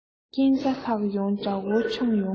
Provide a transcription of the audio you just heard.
རྐྱེན རྩ ལྷག ཡོང དགྲ བོ མཆོངས ཡོང ངོ